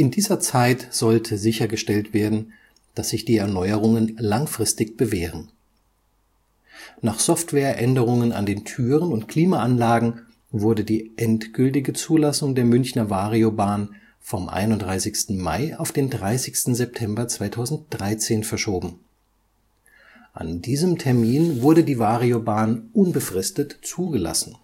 dieser Zeit soll sichergestellt werden, dass sich die Erneuerungen langfristig bewähren. Nach Software-Änderungen an den Türen und Klimaanlagen wurde die endgültige Zulassung der Münchner Variobahn vom 31. Mai auf den 30. September 2013 verschoben. An diesem Termin wurde die Variobahn unbefristet zugelassen